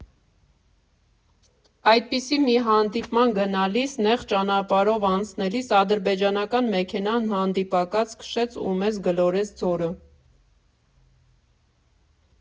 Այդպիսի մի հանդիպման գնալիս նեղ ճանապարհով անցնելիս ադրբեջանական մեքենան հանդիպակաց քշեց ու մեզ գլորեց ձորը։